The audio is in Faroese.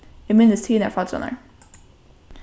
eg minnist hinar faddrarnar